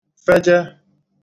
fẹjẹ